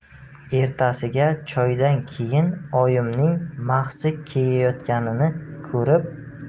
ertasiga choydan keyin oyimning mahsi kiyayotganini ko'rib